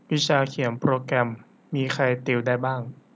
วิชาเขียนโปรแกรมมีใครติวได้บ้าง